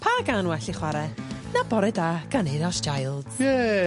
pa gan well i chware na bore da gan Euros Childs. Yay!